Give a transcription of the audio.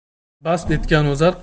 bast etgan o'zar